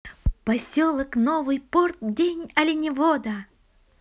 поселок новый порт день оленевода